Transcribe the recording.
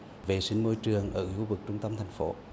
vệ sinh môi trường ở khu vực trung tâm thành phố